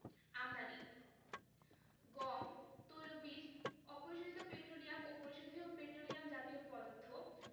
আমদানিঃ গম তৈলবীজ অপরিশোধিত পেট্রোলিয়াম ও পরিশোধিত পেট্রোলিয়াম জাতীয় পদার্থ